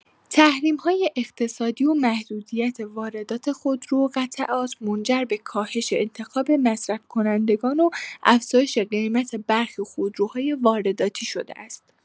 تحریم‌های اقتصادی و محدودیت واردات خودرو و قطعات منجر به کاهش انتخاب مصرف‌کنندگان و افزایش قیمت برخی خودروهای وارداتی شده است.